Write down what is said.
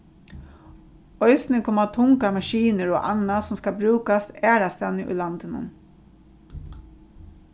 eisini koma tungar maskinur og annað sum skal brúkast aðrastaðni í landinum